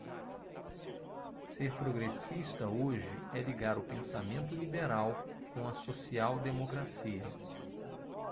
ser progressista hoje é ligar o pensamento liberal com a social democracia